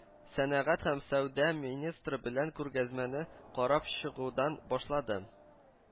Сәнәгать һәм сәүдә министры белән күргәзмәне карап чыгудан башлады